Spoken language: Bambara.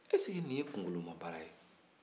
ɛseke nin ye kunkolomako ye